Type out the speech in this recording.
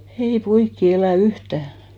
ei poikia elä yhtään